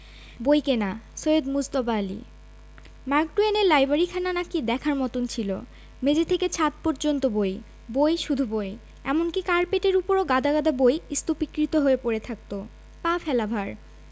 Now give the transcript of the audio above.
বইকেনা Syed Mujtaba Ali Mark টুয়েনের লাইব্রেরিখানা নাকি দেখবার মত ছিল মেঝে থেকে ছাত পর্যন্ত বই বই শুধু বই এমনকি কার্পেটের উপরও গাদা গাদা বই স্তূপীকৃত হয়ে পড়ে থাকত পা ফেলা ভার